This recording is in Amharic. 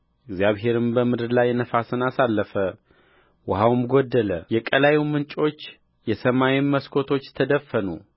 እግዚአብሔርም በምድር ላይ ነፋስን አሳለፈ ውኃውም ጎደለ የቀላዩም ምንጮች የሰማይም መስኮቶች ተደፈኑ